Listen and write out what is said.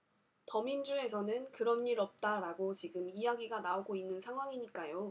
더민주에서는 그런 일 없다라고 지금 이야기가 나오고 있는 상황이니까요